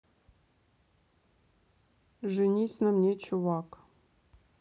женись на мне чувак